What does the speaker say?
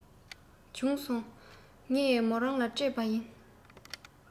བྱུང སོང ངས མོ རང ལ སྤྲད པ ཡིན